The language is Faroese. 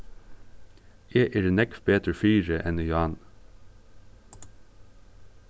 eg eri nógv betur fyri enn í áðni